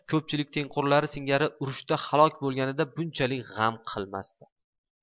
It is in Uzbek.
ko'pchilik tengqurlari singari urushda halok bo'lganida bunchalik alam qilmasdi